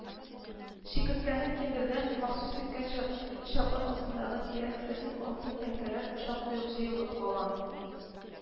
Чикерткәнең киндердән махсус теккәнчә чапан астындагы тирән кесәсен алтын тәңкәләр шактый ук җыелып кала